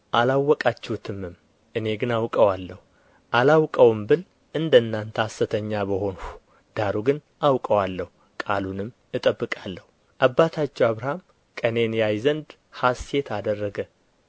አላወቃችሁትምም እኔ ግን አውቀዋለሁ አላውቀውም ብል እንደ እናንተ ሐሰተኛ በሆንሁ ዳሩ ግን አውቀዋለሁ ቃሉንም እጠብቃለሁ አባታችሁ አብርሃም ቀኔን ያይ ዘንድ ሐሤት አደረገ